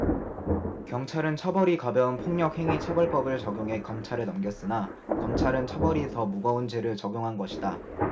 경찰은 처벌이 가벼운 폭력행위처벌법을 적용해 검찰에 넘겼으나 검찰은 처벌이 더 무거운 죄를 적용한 것이다